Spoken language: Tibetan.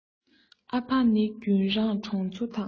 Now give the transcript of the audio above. ཨ ཕ ནི རྒྱུན རང གྲོང ཚོ དང